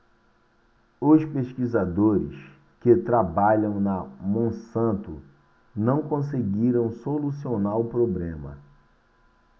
os pesquisadores que trabalham na monsanto não conseguiram solucionar o problema